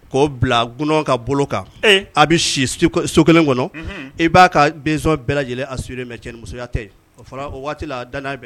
K'o bila g ka bolo kan a bɛ si so kelen kɔnɔ i b'a ka bɛnson bɛɛ lajɛlen a so mɛ cɛya tɛ o o waati la da bɛ